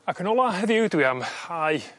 Ac yn ola heddiw dwi am hau